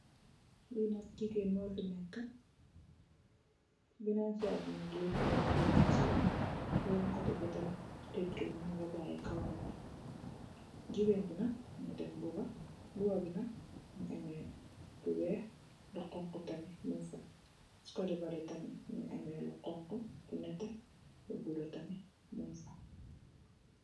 Lii nak jigéen moo fi neekë, benen sayid bi mu ngi lëëtu lëëtu yu... bénen kotte bi tam, lëëtu wut, muñ ko baayi, jigéen bi nak, mu ngi def mbuba, mbuba bi nak, mu ngi amee lu weex, lu xoñxu tamit muñg fa. Si kotte bëllé tamit, muñgi am lu xoñxa, nétté, lu bulo tamit muñg fa.